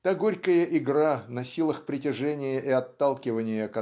Та горькая игра на силах притяжения и отталкивания